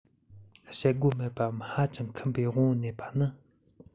སྤྱོད སྒོ མེད པའམ ཧ ཅང ཁུམ པའི དབང པོ གནས པ ནི